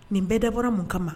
Nin bɛɛ da bɔra mun ka ma